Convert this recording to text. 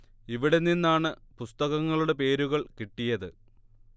ഇവിടെ നിന്നാണ് പുസ്തകങ്ങളുടെ പേരുകൾ കിട്ടിയത്